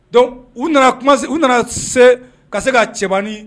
Donku u nana kumase u nana se ka se ka Cɛba ni